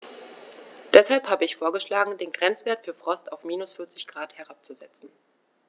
Deshalb habe ich vorgeschlagen, den Grenzwert für Frost auf -40 ºC herabzusetzen.